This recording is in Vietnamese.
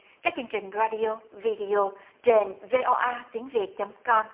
các chương trình ra đi ô vi đê ô trên vê o a tiếng việt chấm com